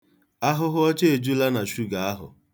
Ahụhụọcha ejula na shuga ahụ.